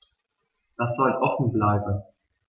Das soll offen bleiben.